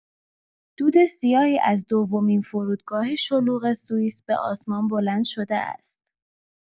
دود سیاهی از دومین فرودگاه شلوغ سوئیس به آسمان بلند شده است.